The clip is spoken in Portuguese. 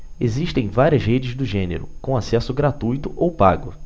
existem várias redes do gênero com acesso gratuito ou pago